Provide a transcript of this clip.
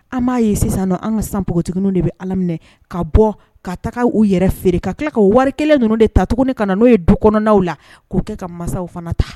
An ma ye sisan nɔn an ka sisan npogotiginw de bi alaminɛ ka bɔ ka taga u yɛrɛ feere ka kila ka wari kelen ninnu de ta tuguni ka na no ye du kɔnɔnanaw la ko kɛ ka masaw fana ta.